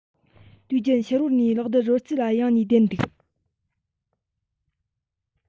དུས རྒྱུན ཕྱི རོལ ནས གློག རྡུལ རོལ རྩེད ལ གཡེང ནས བསྡད འདུག